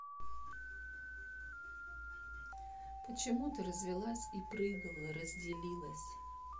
почему ты развелась и прыгала разделилась